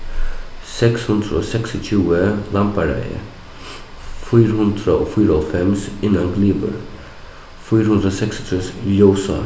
seks hundrað og seksogtjúgu lambareiði fýra hundrað og fýraoghálvfems innan glyvur fýra hundrað seksogtrýss ljósá